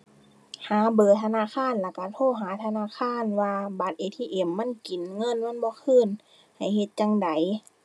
หาเบอร์ธนาคารแล้วก็โทรหาธนาคารว่าบัตร ATM มันกินเงิน มันบ่คืน ให้เฮ็ดจั่งใด